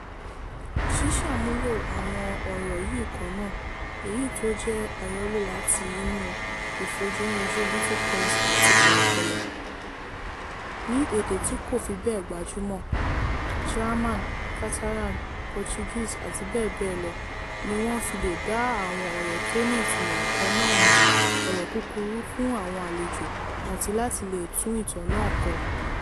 Ṣíṣàmúlò àwọn ọ̀rọ̀ yìí kan náà(èyí tó jẹ́ àyọlọ̀ láti inú ìfojúrinjú Little Prince àti Kọ̀lọ̀kọ̀lọ̀) ní èdè tí kò fi bẹ́ẹ̀ gbajúmọ̀ (German, Catalan, Portuguese, abbl) ni wọ́n fi lè dá àwọn ọ̀rọ̀ tó ní ìtumò kan náà mọ̀, ọ̀rọ̀ kúkúrú fún àwọn àlejò, àti láti lè tún ìtàn náà kọ.